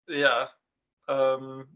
Ia yym.